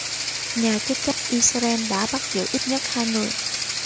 nhà chức trách israel đã bắt giữ ít nhất hai người